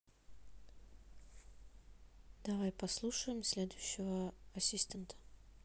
давай послушаем следующего ассистента